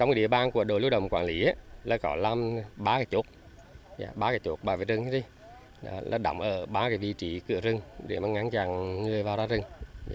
trong địa bàn của đội lưu động quản lý là có làm ba cái chốt ba cái chốt bảo vệ rừng di động đóng ở ở ba vị trí cửa rừng để ngăn chặn người vào ra rừng